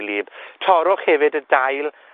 wlyb. Torrwch hefyd y dail